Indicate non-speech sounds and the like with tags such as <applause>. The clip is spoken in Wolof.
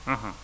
<hesitation> <hesitation>